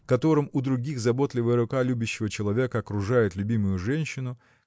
которым у других заботливая рука любящего человека окружает любимую женщину